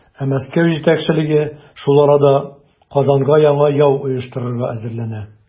Ә Мәскәү җитәкчелеге шул арада Казанга яңа яу оештырырга әзерләнә.